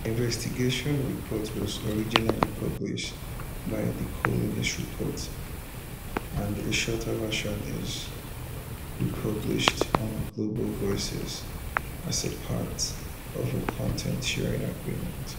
Their investigation report was originally published by The Colonist Report, and a shorter version is republished on Global Voices as part of a content-sharing agreement.